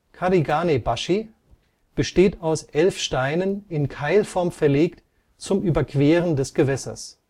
karigane-bashi) besteht aus elf Steinen, in Keilform verlegt, zum Überqueren des Gewässers